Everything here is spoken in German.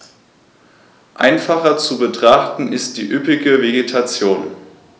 Einfacher zu betrachten ist die üppige Vegetation.